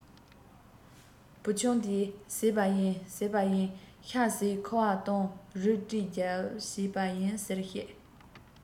བུ ཆུང དེས བཟས པ ཡིན བཟས པ ཡིན ཤ བཟས ཁུ བ བཏུང རུས བཀྲས རྒྱབ བྱས པ ཡིན ཟེར བཤད